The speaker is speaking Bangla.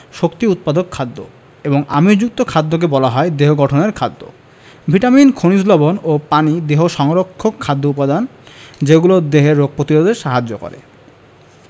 শক্তি উৎপাদক খাদ্য এবং আমিষযুক্ত খাদ্যকে বলা হয় দেহ গঠনের খাদ্য ভিটামিন খনিজ লবন ও পানি দেহ সংরক্ষক খাদ্য উপাদান যেগুলো দেহের রোগ প্রতিরোধে সাহায্য করে